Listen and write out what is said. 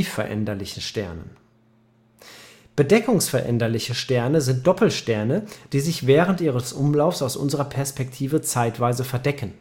veränderlichen Sternen: Bedeckungsveränderliche. Dabei handelt es sich um Doppelsterne, die sich während ihres Umlaufs aus unserer Perspektive zeitweise verdecken